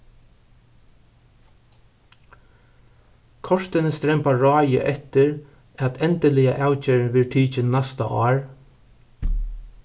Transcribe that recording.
kortini strembar ráðið eftir at endiliga avgerðin verður tikin næsta ár